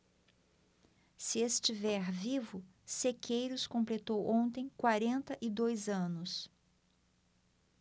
se estiver vivo sequeiros completou ontem quarenta e dois anos